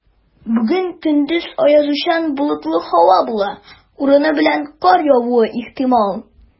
Бүген көндез аязучан болытлы һава була, урыны белән кар явуы ихтимал.